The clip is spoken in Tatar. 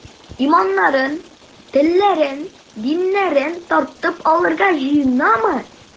Иманнарын, телләрен, диннәрен тартып алырга җыенамы?